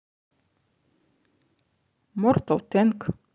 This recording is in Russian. мортал тэнк